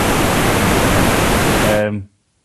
'Im neud dim byd am hynny. Yym.